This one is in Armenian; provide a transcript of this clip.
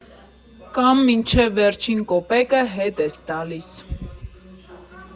Կամ մինչև վերջին կոպեկը հետ ես տալիս։